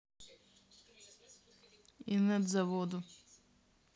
инет заводу